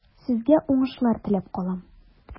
Сезгә уңышлар теләп калам.